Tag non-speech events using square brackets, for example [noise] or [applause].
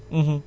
[hesitation] [hesitation]